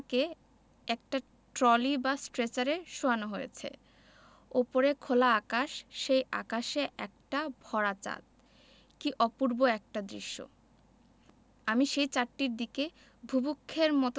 নামিয়ে আমাকে একটা ট্রলি বা স্ট্রেচারে শোয়ানো হয়েছে ওপরে খোলা আকাশ সেই আকাশে একটা ভরা চাঁদ কী অপূর্ব একটি দৃশ্য আমি সেই চাঁদটির দিকে